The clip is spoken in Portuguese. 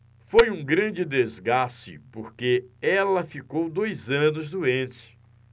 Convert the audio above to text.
foi um grande desgaste porque ela ficou dois anos doente